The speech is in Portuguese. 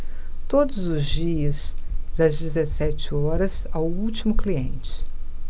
todos os dias das dezessete horas ao último cliente